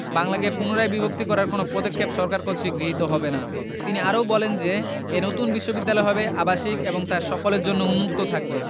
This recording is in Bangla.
বাংলাকে পুনরায় বিভক্ত করার কোনো পদক্ষেপ সরকার কর্তৃক গৃহীত হবে না তিনি আরও বলেন যে এ নতুন বিশ্ববিদ্যালয় হবে আবাসিক এবং তা সকলের জন্য উন্মুক্ত থাকবে